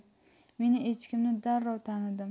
men echkimni darrov tanidim